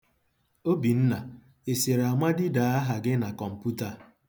Obinna, ị sịrị Amadi dee aha gị na kọmputa a?